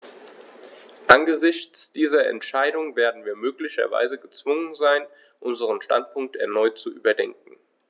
Angesichts dieser Entscheidung werden wir möglicherweise gezwungen sein, unseren Standpunkt erneut zu überdenken.